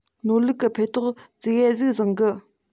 ནོར ལུག གི འཕེས ཐོག ཙིག གེ ཟིག བཟང གི